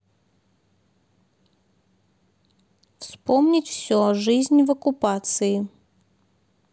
вспомнить все жизнь в оккупации